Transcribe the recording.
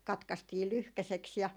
katkaistiin lyhkäiseksi ja